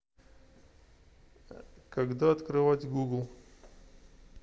когда открывать google